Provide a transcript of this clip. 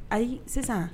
Ayi sisan